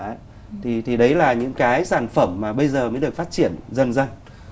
ấy thì thì đấy là những cái sản phẩm mà bây giờ mới được phát triển dần dần